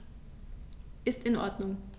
Ist in Ordnung.